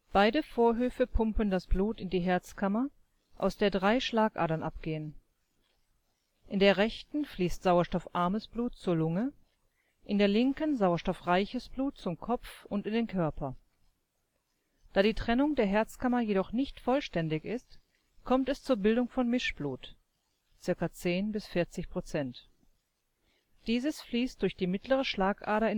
Beide Vorhöfe pumpen das Blut in die Herzkammer, aus der drei Schlagadern abgehen. In der rechten fließt sauerstoffarmes Blut zur Lunge, in der linken sauerstoffreiches Blut zum Kopf und in den Körper. Da die Trennung der Herzkammer jedoch nicht vollständig ist, kommt es zur Bildung von Mischblut (circa 10 bis 40 Prozent). Dieses fließt durch die mittlere Schlagader